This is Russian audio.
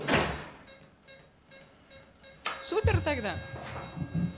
супер тогда